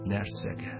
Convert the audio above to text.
Нәрсәгә?